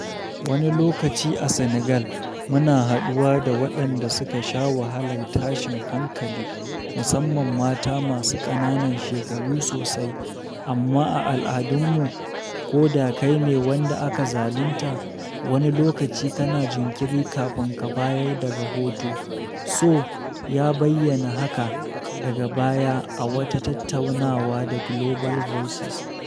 Wani lokaci a Senegal, muna haɗuwa da waɗanda suka sha wahalar tashin hankali, musamman mata masu ƙananan shekaru sosai, amma a al’adunmu, ko da kai ne wanda aka zalunta, wani lokaci kana jinkiri kafin ka bayar da rahoto,” Sow ya bayyana haka daga baya a wata tattaunawa da Global Voices.